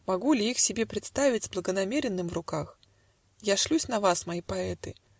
Могу ли их себе представить С "Благонамеренным" в руках! Я шлюсь на вас, мои поэты